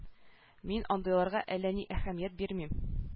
Мин андыйларга әллә ни әһәмият бирмим